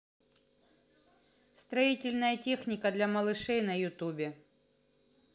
строительная техника для малышей на ютюбе